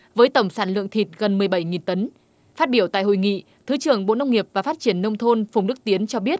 với tổng sản lượng thịt gần mười bảy nghìn tấn phát biểu tại hội nghị thứ trưởng bộ nông nghiệp và phát triển nông thôn phùng đức tiến cho biết